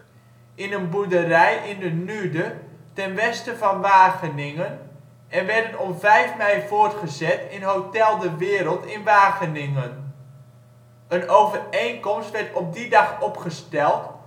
in een boerderij in de Nude ten westen van Wageningen, en werden op 5 mei voortgezet in hotel De Wereld in Wageningen. Een overeenkomst werd op die dag opgesteld